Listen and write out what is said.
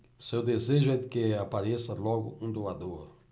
seu desejo é de que apareça logo um doador